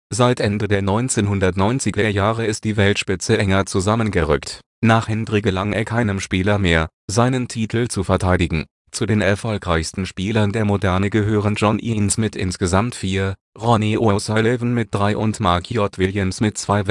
Seit Ende der 1990er-Jahre ist die Weltspitze enger zusammengerückt. Nach Hendry gelang es keinem Spieler mehr, seinen Titel zu verteidigen. Zu den erfolgreichsten Spielern der Moderne gehören John Higgins mit insgesamt vier, Ronnie O’ Sullivan mit drei und Mark J. Williams mit zwei